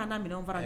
Ka minɛn